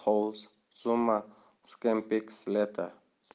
house zuma scanpix leta